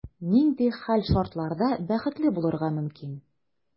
Нинди хәл-шартларда бәхетле булырга мөмкин?